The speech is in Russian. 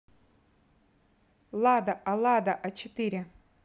лада а лада а четыре